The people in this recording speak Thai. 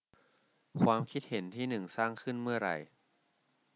ความคิดเห็นที่หนึ่งสร้างขึ้นเมื่อไร